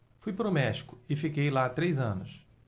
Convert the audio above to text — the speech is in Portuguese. fui para o méxico e fiquei lá três anos